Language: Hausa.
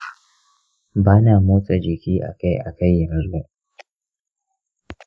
bana motsa jiki akai akai yanzu